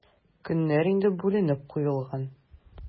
Көннәр инде бүленеп куелган.